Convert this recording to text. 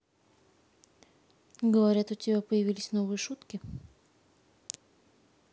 говорят у тебя появились новые шутки